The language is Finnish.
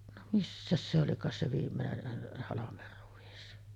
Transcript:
no missäs se olikaan se viimeinen halmeruis